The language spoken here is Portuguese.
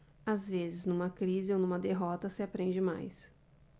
às vezes numa crise ou numa derrota se aprende mais